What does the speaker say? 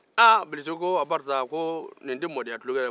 aa bilisi ko o bɛɛ ni a ta ko ni tɛ mɔdenya tulonkɛ ye dɛɛ